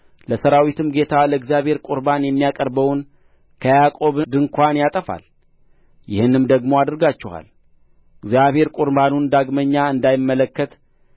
ለሠራዊትም ጌታ ለእግዚአብሔር ቍርባን የሚያቀርበውን ከያዕቆብ ድንኳን ያጠፋል ይህንም ደግሞ አድርጋችኋል እግዚአብሔር ቍርባኑን ዳግመኛ እንዳይመለከት